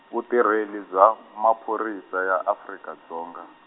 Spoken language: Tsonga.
Vutirheli bya Maphorisa ya Afrika Dzonga.